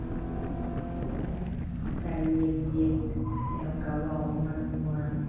ใจเย็นเย็น แล้วก็เว้าม่วนม่วน